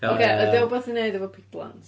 Oce... Yy. ...ydy o wbeth i wneud hefo pidlans?